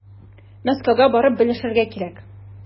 Мәскәүгә барып белешергә кирәк.